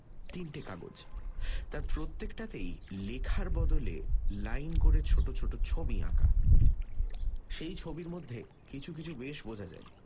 তিনটে কাগজ তার প্রত্যেকটাতেই লেখার বদলে লাইন করে ছোট ছোট ছবি আঁকা সেই ছবির মধ্যে কিছু কিছু বেশ বোঝা যায়